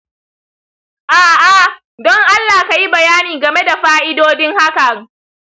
a’a, don allah ka yi bayani game da fa’idodin hakan.